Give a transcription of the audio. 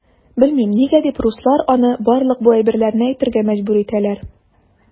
Белмим, нигә дип руслар аны барлык бу әйберләрне әйтергә мәҗбүр итәләр.